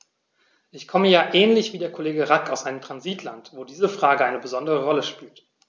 Ich komme ja ähnlich wie der Kollege Rack aus einem Transitland, wo diese Frage eine besondere Rolle spielt.